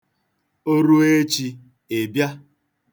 O ruo echi, ị bịa.